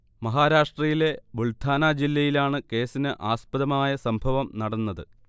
മഹാരാഷ്ട്രയിലെ ബുൾധാന ജില്ലയിലാണ് കേസിന് ആസ്പദമായ സംഭവം നടന്നത്